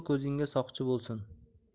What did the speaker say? ko'zingga soqchi bo'lsin